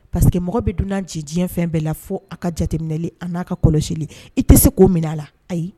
Parceseke que mɔgɔ bɛ dunan ji diɲɛ fɛn bɛɛ la fo aw ka jateminɛli an n'a ka kɔlɔsi i tɛ se k'o minɛ a la ayi